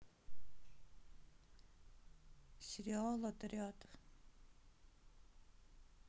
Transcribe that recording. сериал отряд